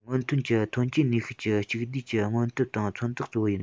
སྔོན ཐོན གྱི ཐོན སྐྱེད ནུས ཤུགས ཀྱི གཅིག བསྡུས ཀྱི མངོན སྟངས དང མཚོན རྟགས གཙོ བོ ཡིན